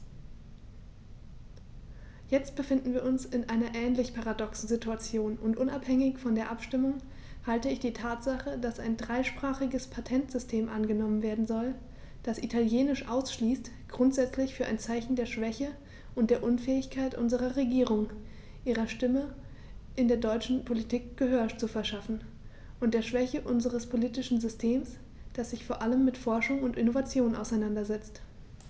Jetzt befinden wir uns in einer ähnlich paradoxen Situation, und unabhängig von der Abstimmung halte ich die Tatsache, dass ein dreisprachiges Patentsystem angenommen werden soll, das Italienisch ausschließt, grundsätzlich für ein Zeichen der Schwäche und der Unfähigkeit unserer Regierung, ihrer Stimme in der europäischen Politik Gehör zu verschaffen, und der Schwäche unseres politischen Systems, das sich vor allem mit Forschung und Innovation auseinandersetzt.